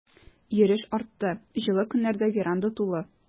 Йөреш артты, җылы көннәрдә веранда тулы.